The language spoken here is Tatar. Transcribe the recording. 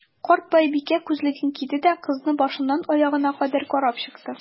Карт байбикә, күзлеген киде дә, кызны башыннан аягына кадәр карап чыкты.